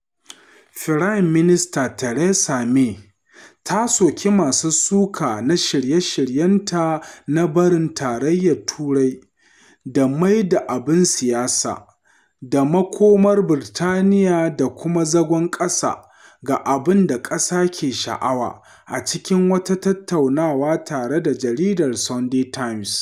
Firaminista Theresa May ta soki masu suka na shirye-shiryenta na barin Tarayyar Turai da “maida abin siyasa” da makomar Birtaniyya da kuma zagon ƙasa ga abin da ƙasa ke sha’awa a cikin wata tattaunawa tare da jaridar Sunday Times.